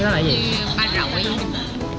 cái này hình như rọi